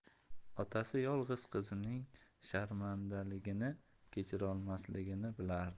otasi yolg'iz qizining sharmandaligini kechirolmasligini bilardi